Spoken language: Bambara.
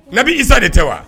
Nabi isa de tɛ wa